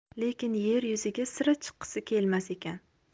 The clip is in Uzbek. lekin yer yuziga sira chiqqisi kelmas ekan